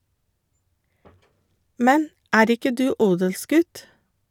- Men er ikke du odelsgutt?